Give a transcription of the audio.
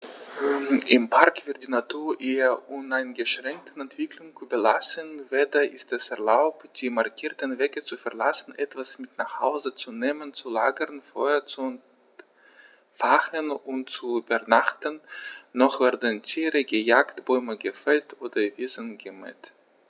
Im Park wird die Natur ihrer uneingeschränkten Entwicklung überlassen; weder ist es erlaubt, die markierten Wege zu verlassen, etwas mit nach Hause zu nehmen, zu lagern, Feuer zu entfachen und zu übernachten, noch werden Tiere gejagt, Bäume gefällt oder Wiesen gemäht.